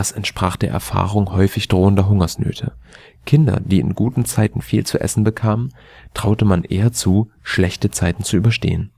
entsprach der Erfahrung häufig drohender Hungersnöte. Kindern, die in guten Zeiten viel zu essen bekamen, traute man eher zu, schlechte Zeiten zu überstehen